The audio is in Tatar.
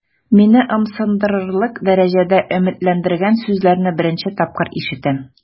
Мине ымсындырырлык дәрәҗәдә өметләндергән сүзләрне беренче тапкыр ишетәм.